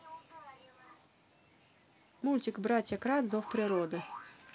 мультик братья кратт зов природы